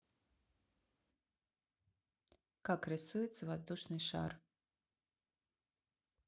как рисуется воздушный шар